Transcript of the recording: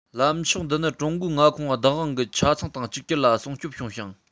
ལམ ཕྱོགས འདིས ནི ཀྲུང གོའི མངའ ཁོངས བདག དབང གི ཆ ཚང དང གཅིག གྱུར ལ སྲུང སྐྱོབ བྱུང ཞིང